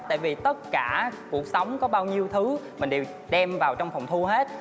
tại vì tất cả cuộc sống có bao nhiêu thứ mình đều đem vào trong phòng thu hết